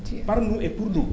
par nous et pour nous